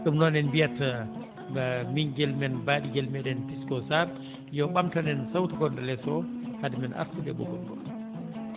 ɗum noon en mbiyat ɓinngel baaɗigel meɗen Pisco Sarr yo ɓamtan men sawtu ngonɗo lees oo hade men artude ɓoggol ngol